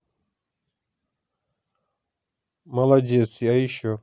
молодец а еще